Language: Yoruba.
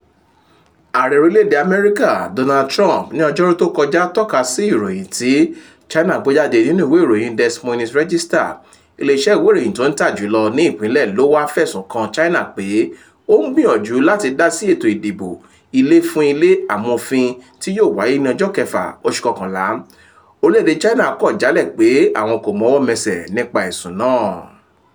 U.S. Ààrẹ orílẹ̀èdè U.S. Donald Trump ní Ọjọ́rú tó kọjá tọ́ka sí ìròyìn tí China gbé jáde nínú ìwé ìròyìn Des Moines Register- ilé-iṣẹ́ ìwé ìròyìn tí ń tà jùlọ ní ìpínlẹ̀ Iowa fẹ̀sùn kan China pé ó ń gbìyànjú láti dásí ètò ìdìbò ilé fún ilé amòfin tí yóò wáyé ní ọjọ́ kẹfà oṣù kọọkànlá. Orílẹ̀èdè China kọ̀ jálẹ̀ pé àwọn kò mọwọ́-mẹsẹ̀ nípa ẹ̀sùn náà.